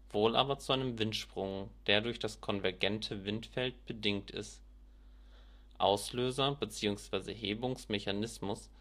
wohl aber zu einem Windsprung, der durch das konvergente Windfeld bedingt ist. Auslöser bzw. Hebungsmechanismus